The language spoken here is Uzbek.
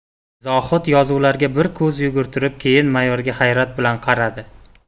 zohid yozuvlarga bir ko'z yugurtirib keyin mayorga hayrat bilan qaradi